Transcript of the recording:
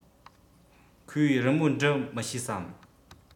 ཁོས རི མོ འབྲི མི ཤེས སམ